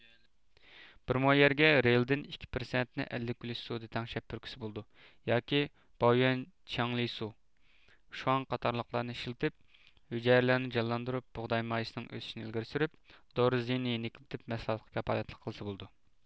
بىر مو يەرگە رېلدىن ئىككى پىرسەنتنى ئەللىك ئۈلۈش سۇدا تەڭشەپ پۈركۈسە بولىدۇ ياكى باۋيۈەن چياڭلىسۇ شۇاڭ قاتارلىقلارنى ئىشلىتىپ ھۈجەيرىلەرنى جانلاندۇرۇپ بۇغداي مايسىسىنىڭ ئۆسۈشىنى ئىلگىرى سۈرۈپ دورا زىيىنىنى يېنىكلىتىپ مەھسۇلاتقا كاپالەتلىك قىلسا بولىدۇ